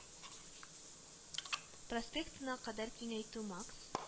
Проспектына кадәр киңәйтү макс